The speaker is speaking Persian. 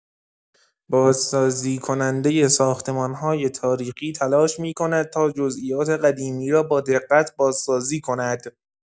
بازسازی‌کننده ساختمان‌های تاریخی تلاش می‌کند تا جزئیات قدیمی را با دقت بازسازی کند.